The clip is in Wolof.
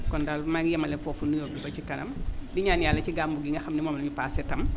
kon daal maa ngi yemale foofu nuyoo bi ba ci kanam di ñaan yàlla ci gàmmu gi nga xam ne moom la ñu paase itam